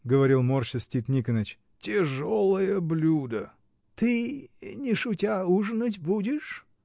— говорил, морщась, Тит Никоныч, — тяжелое блюдо. — Ты не шутя ужинать будешь?